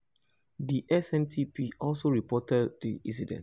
The SNTP also reported the incident: